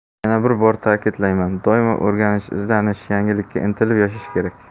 yana bir bor ta'kidlayman doimo o'rganish izlanish yangilikka intilib yashash kerak